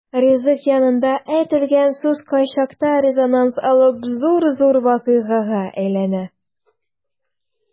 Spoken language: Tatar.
Ризык янында әйтелгән сүз кайчакта резонанс алып зур-зур вакыйгага әйләнә.